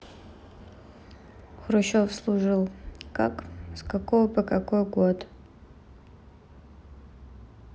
хрущев служил как с какого по какой год